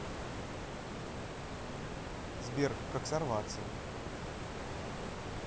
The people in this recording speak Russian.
сбер как сорваться